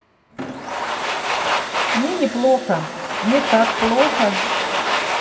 мне не плохо мне так плохо